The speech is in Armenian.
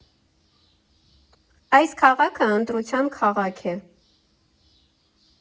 Այս քաղաքը ընտրության քաղաք է։